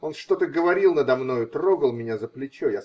Он что-то говорил надо мною, трогал меня за плечо